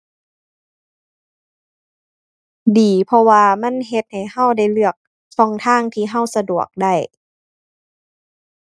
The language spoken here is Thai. ดี เพราะว่ามันเฮ็ดให้เราได้เลือกช่องทางที่เราสะดวกได้